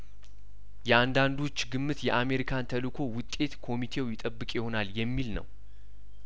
የአንዳንዶች ግምት የአሜሪካን ተልእኮ ውጤት ኮሚቴው ይጠብቅ ይሆናል የሚል ነው